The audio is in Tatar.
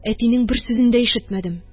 Әтинең бер сүзен дә ишетмәдем